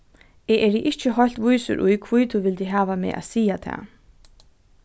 eg eri ikki heilt vísur í hví tú vildi hava meg at siga tað